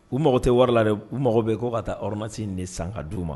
U mago tɛ wari la de u mago bɛ ko ka ordonnance in de san ka d'u ma